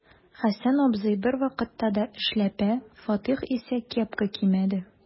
Хәсән абзый бервакытта да эшләпә, Фатих исә кепка кимәде.